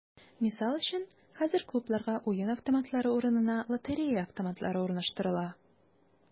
Мисал өчен, хәзер клубларга уен автоматлары урынына “лотерея автоматлары” урнаштырыла.